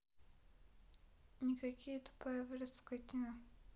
никакие тупая выросла скотина